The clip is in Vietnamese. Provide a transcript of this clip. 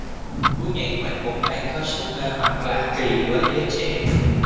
cú nhảy ngoạn mục ấy có sức mê hoặc lạ kỳ với giới trẻ